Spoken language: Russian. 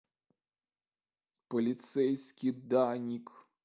полицейский даник